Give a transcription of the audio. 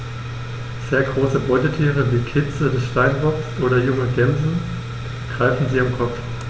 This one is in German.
Sehr große Beutetiere wie Kitze des Steinbocks oder junge Gämsen greifen sie am Kopf.